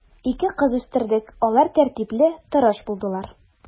Ике кыз үстердек, алар тәртипле, тырыш булдылар.